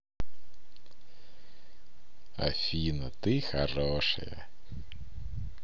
афина ты хорошая